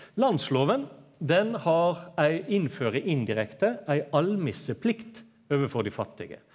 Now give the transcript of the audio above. landsloven den har ei innfører indirekte ei almisseplikt overfor dei fattige.